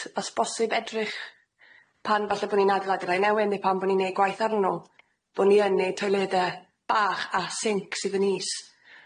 Os bosib edrych pan falle bo' ni'n adeiladu rhai newy', ne' pan bo' ni'n neud gwaith arnyn nw, bo' ni yn neud toilede bach a sinc sydd yn is.